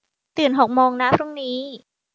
ตื่นหกโมงนะพรุ่งนี้